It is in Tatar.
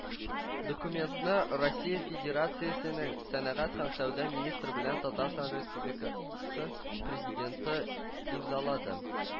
Документны Россия Федерациясенең сәнәгать һәм сәүдә министры белән Татарстан Республикасы Президенты имзалады